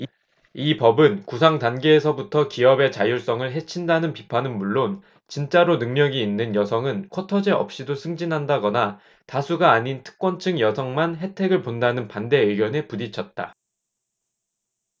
이 법은 구상단계에서부터 기업의 자율성을 해친다는 비판은 물론 진짜로 능력이 있는 여성은 쿼터제 없이도 승진한다거나 다수가 아닌 특권층 여성만 혜택을 본다는 반대 의견에 부딪혔다